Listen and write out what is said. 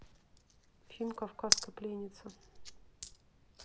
фильм кавказская пленница